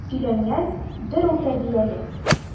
Өйләнгән, бер ул тәрбияли.